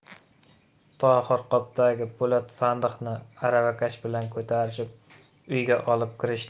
tohir qopdagi po'lat sandiqni aravakash bilan ko'tarishib uyga olib kirishdi